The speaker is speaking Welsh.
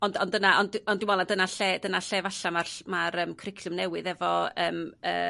ond ond dyna ond dwi'n meddwl 'na dyna lle dyna lle efalla' ma'r ll- ma'r yym cwricwlwm newydd efo yym